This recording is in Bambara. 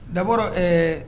D'abord ɛɛ